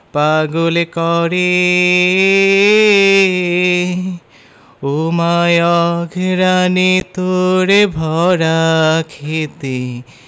পাগল করে ওমা অঘ্রানে তোর ভরা ক্ষেতে